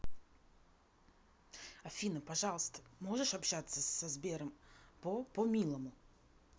афина пожалуйста можешь общаться с сбером по по милому